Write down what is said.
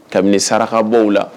Kabini sarakabɔ la